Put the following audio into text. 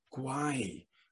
Gwae.